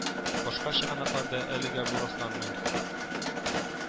Башка чыганакларда әлегә бу расланмый